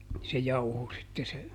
se jauhoi sitten se